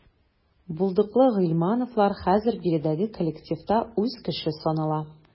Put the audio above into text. Булдыклы гыйльмановлар хәзер биредәге коллективта үз кеше санала.